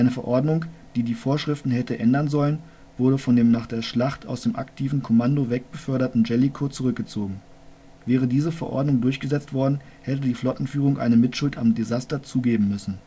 Verordnung, die die Vorschriften hätte ändern sollen, wurde von dem nach der Schlacht aus dem aktiven Kommando wegbeförderten Jellicoe zurückgezogen. Wäre diese Verordnung durchgesetzt worden, hätte die Flottenführung eine Mitschuld am Desaster zugeben müssen